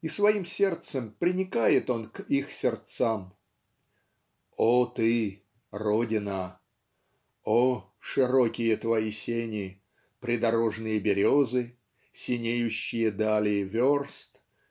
и своим сердцем приникает он к их сердцам. "О ты, родина! О, широкие твои сени придорожные березы синеющие дали верст